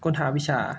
ค้นหาวิชา